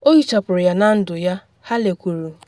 “O hichapụrụ ya na ndụ ya,” Hale kwuru.